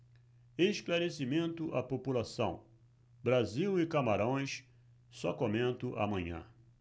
esclarecimento à população brasil e camarões só comento amanhã